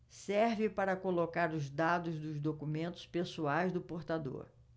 serve para colocar os dados dos documentos pessoais do portador